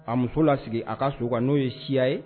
A muso la sigi a ka sokɛ kan n'o ye siya ye